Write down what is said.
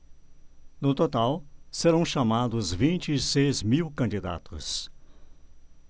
no total serão chamados vinte e seis mil candidatos